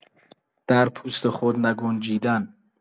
در پوست خود نگنجیدن